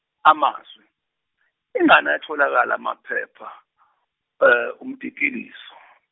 amazwi, ingani ayatholakala amaphepha umtitilizo.